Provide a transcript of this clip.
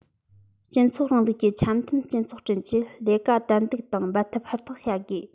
སྤྱི ཚོགས རིང ལུགས ཀྱི འཆམ མཐུན སྤྱི ཚོགས བསྐྲུན ཆེད ལས ཀ ཏན ཏིག དང འབད འཐབ ཧུར ཐག བྱ དགོས